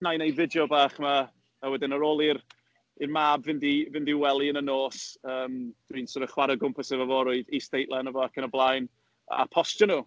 Wna i wneud fideo bach 'ma, a wedyn ar ôl i'r i'r mab fynd i fynd i'w wely yn y nos, yym dwi'n sorta chware o gwmpas efo fo, rhoi isdeitle arno fo ac yn y blaen, a postio nhw.